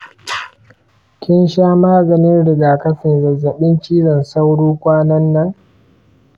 kin sha maganin rigakafin zazzaɓin cizon sauro kwanan nan?